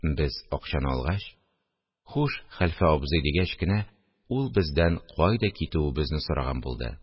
Без, акчаны алгач: – Хуш, хәлфә абзый! – дигәч кенә, ул бездән кайда китүебезне сораган булды